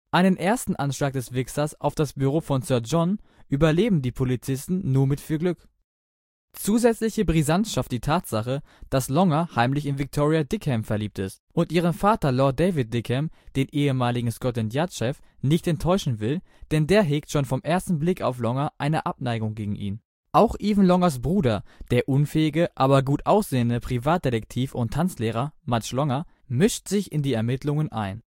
Einen ersten Anschlag des Wixxers auf das Büro von Sir John überleben die Polizisten nur mit viel Glück. Zusätzliche Brisanz schafft die Tatsache, dass Longer heimlich in Victoria Dickham verliebt ist und ihren Vater Lord David Dickham, den ehemaligen Scotland-Yard-Chef, nicht enttäuschen will, denn der hegt schon vom ersten Blick auf Longer eine Abneigung gegen ihn. Auch Even Longers Bruder, der unfähige, aber gut aussehende Privatdetektiv und Tanzlehrer Much Longer, mischt sich in die Ermittlungen ein